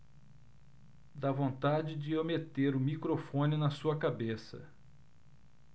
dá vontade de eu meter o microfone na sua cabeça